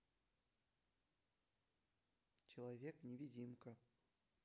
человек невидимка